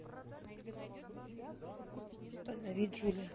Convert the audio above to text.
позови джули